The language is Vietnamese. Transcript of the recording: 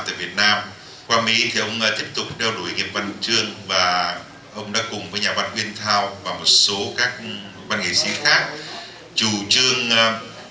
việt nam qua mỹ thì ông tiếp tục đeo đuổi nghiệp văn chương và ông đã cùng với nhà văn uyên thao và một số văn nghệ sĩ khác chủ trương à